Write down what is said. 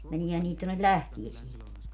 meneehän niitä tuonne lähteeseenkin